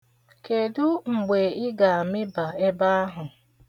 Kedụ mgbe ị ga-amịba ebe ahụ?